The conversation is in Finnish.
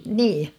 niin